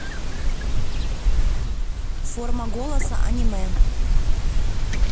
форма голоса аниме